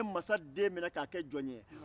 anw ye mansa den minɛ k'a kɛ jɔn ye